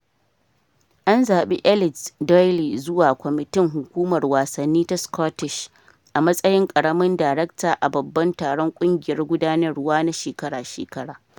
An zabi Eilidh Doyle zuwa kwamitin hukumar wasanni ta Scottish a matsayin karamin darekta a babban taron kungiyar gudanarwa na shekara-shekara.